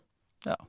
Ja.